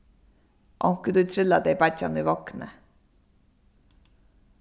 onkuntíð trilla tey beiggjan í vogni